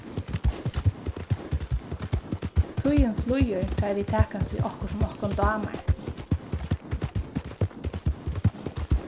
tíðin flýgur tá ið vit takast við okkurt sum okkum dámar